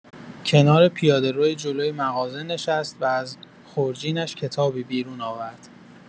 کنار پیاده‌روی جلوی مغازه نشست و از خورجینش کتابی بیرون آورد.